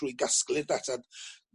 drwy gasglu'r data